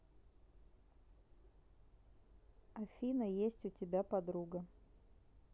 афина есть у тебя подруга